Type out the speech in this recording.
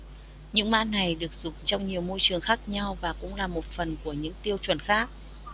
những mã này được dùng trong nhiều môi trường khác nhau và cũng là một phần của những tiêu chuẩn khác